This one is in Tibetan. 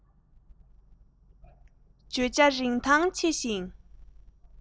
བརྗོད བྱ རིན ཐང ཆེ ཞིང